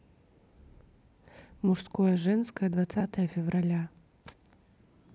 мужское женское двадцатое февраля